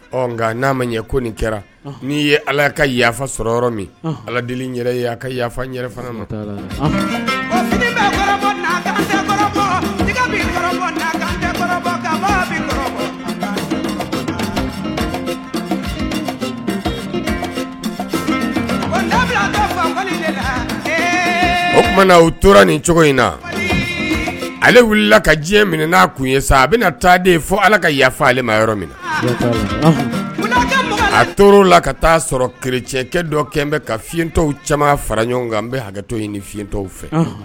Nka n'a ma ɲɛ ko nin kɛra n' ye ala ka yafa yaafa sɔrɔ yɔrɔ min ala deli yɛrɛ a ka yafafa o u tora nin cogo in na ale wulila ka diɲɛ minɛ n'a kun ye sa a bɛna taa de fɔ ala ka yafa ale ma yɔrɔ minɛ a tora la ka taa sɔrɔ kireckɛ dɔ kɛ ka fiɲɛtɔw caman fara ɲɔgɔn kan n bɛ hakɛtɔ ɲini ni fitɔ fɛ